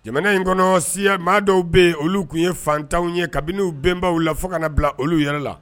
Jamana in kɔnɔ siya, maa dɔw bɛ yen olu tun ye fantanw ye kabini u bɛnenbaw la fɔ ka na a bila olu yɛrɛ la.